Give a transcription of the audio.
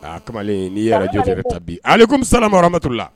A Kamalen n'i . aleyikum salaam wa rahmaulahi wa barakatuhu .